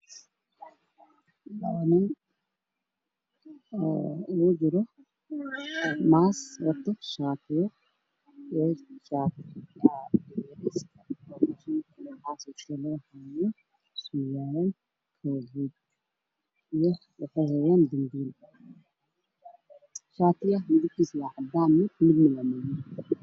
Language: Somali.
Waanin ugu jiro maas wati shaati